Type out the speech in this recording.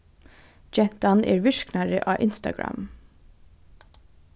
gentan er virknari á instagram